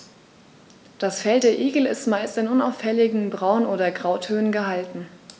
Das Fell der Igel ist meist in unauffälligen Braun- oder Grautönen gehalten.